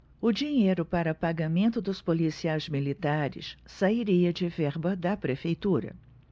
o dinheiro para pagamento dos policiais militares sairia de verba da prefeitura